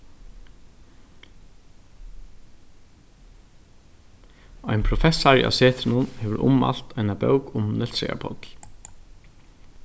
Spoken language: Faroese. ein professari á setrinum hevur ummælt eina bók um nólsoyar páll